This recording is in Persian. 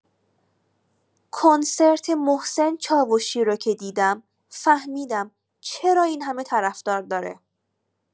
کنسرت محسن چاوشی رو که دیدم فهمیدم چرا این‌همه طرفدار داره.